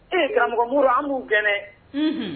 Ee karamɔgɔmuru an b'u kɛnɛ h